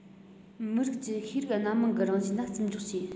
མིའི རིགས ཀྱི ཤེས རིག སྣ མང གི རང བཞིན ལ བརྩི འཇོག བྱས